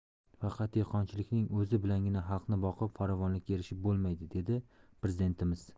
faqat dehqonchilikning o'zi bilangina xalqni boqib farovonlikka erishib bo'lmaydi dedi prezidentimiz